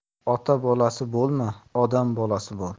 ota bolasi bo'lma odam bolasi bo'l